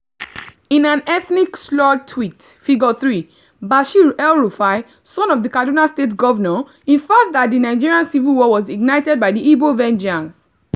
In an ethnic slurred tweet (Figure 3) Bashir El-Rufai, son of the Kaduna State Governor, inferred that the Nigerian Civil War was ignited by the Igbo vengeance.